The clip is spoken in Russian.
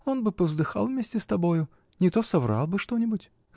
-- Он бы повздыхал вместе с тобою, -- не то соврал бы что-нибудь.